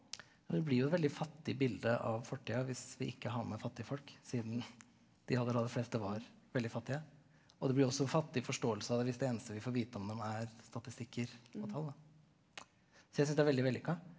det blir jo et veldig fattig bilde av fortida hvis vi ikke har med fattigfolk siden de aller aller fleste var veldig fattige, og det blir jo også fattig forståelse av det hvis det eneste vi får vite om dem er statistikker og tall da, så jeg syns det er veldig vellykka.